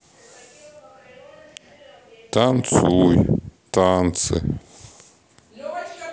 танцуй танцы